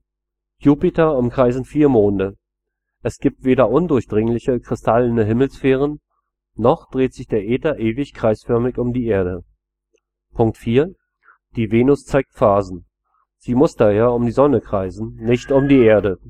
Jupiter umkreisen vier Monde: Es gibt weder undurchdringliche kristallene Himmelssphären, noch dreht sich der Äther ewig kreisförmig um die Erde. Die Venus zeigt Phasen: Sie muss daher um die Sonne kreisen, nicht um die Erde